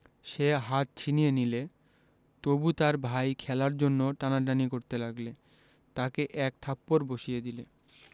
সে হাত ছিনিয়ে নিলে তবু তার ভাই খেলার জন্যে টানাটানি করতে লাগলে তাকে এক থাপ্পড় বসিয়ে দিলে